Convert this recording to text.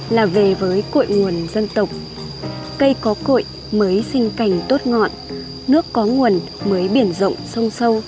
là về với cội nguồn dân tộc cây có cội mới sinh cành tốt ngọn nước có nguồn mới biển rộng sông sâu